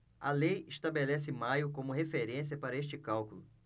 a lei estabelece maio como referência para este cálculo